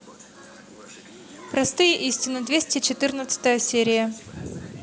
простые истины двести четырнадцатая серия